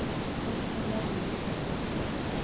песня лолиты